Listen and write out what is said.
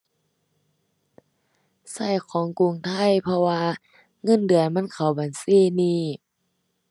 ใช้ของกรุงไทย เพราะว่าเงินเดือนมันเข้าบัญชีนี้